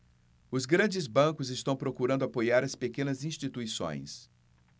os grandes bancos estão procurando apoiar as pequenas instituições